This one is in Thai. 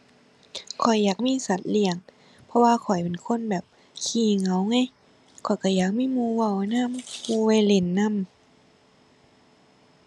ข้อยอยากมีสัตว์เลี้ยง เพราะว่าข้อยเป็นคนแบบขี้เหงาไง ข้อยก็อยากมีหมู่เว้านำ หมู่ไว้เล่นนำ